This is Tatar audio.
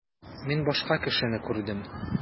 Мин башка кешене күрдем.